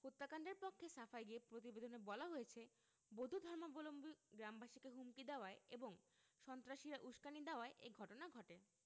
হত্যাকাণ্ডের পক্ষে সাফাই গেয়ে প্রতিবেদনে বলা হয়েছে বৌদ্ধ ধর্মাবলম্বী গ্রামবাসীকে হুমকি দেওয়ায় এবং সন্ত্রাসীরা উসকানি দেওয়ায় এ ঘটনা ঘটে